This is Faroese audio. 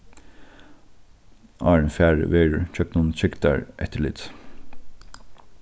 áðrenn farið verður gjøgnum trygdareftirlitið